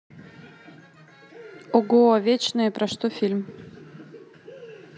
ого а вечные про что фильм